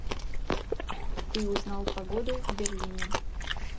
ты узнал погоду в берлине